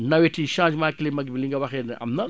nawet yi changement climac bi li nga waxee ne am na